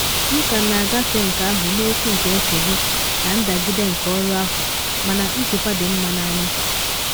M ka na agafe nke ahụ n’okwu nke nsogbu na ndagide nke ọrụ ahụ mana njikwa dị mma n’anya.